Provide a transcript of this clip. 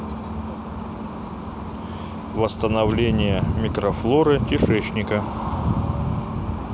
восстановление микрофлоры кишечника